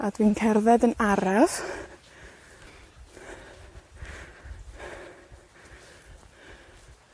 a dwi'n cerdded yn araf.